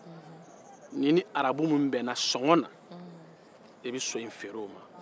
n'i ni arabu min bɛnna songo ne i bɛ so in di o ma